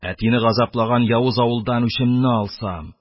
Әтине газаплаган явыз авылдан үчемне алсам!..